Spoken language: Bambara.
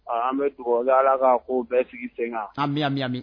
An bɛ dugawu ala ka k koo bɛɛ sigi sen kan'an mimimi